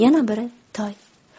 yana biri toy